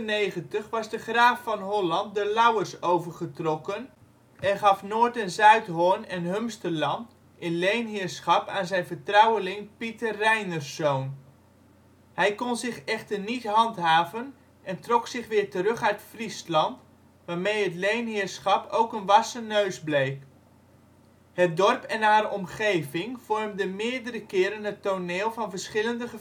1398 was de graaf van Holland de Lauwers overgetrokken en gaf Noord - en Zuidhorn en Humsterland in leenheerschap aan zijn vertrouweling Pieter Reinerszoon. Hij kon zich echter niet handhaven en trok zich weer terug uit Friesland, waarmee het leenheerschap ook een wassen neus bleek. Het dorp en haar omgeving vormde meerdere keren het toneel van verschillende